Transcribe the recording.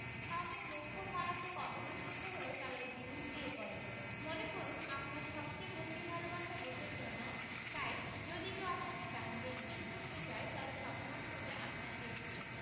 কাউকে মোক্ষম মারাত্মক অপমান করতে হলেও তারা ওই জিনিস দিয়েই করে মনে করুন আপনার সবচেয়ে ভক্তি ভালবাসা দেশের জন্য তাই যদি কেউ আপনাকে ডাহা বেইজ্জত্ করতে চায় তবে সে অপমান করবে আপনার দেশকে